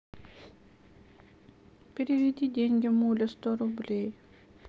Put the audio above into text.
переведи деньги муле сто рублей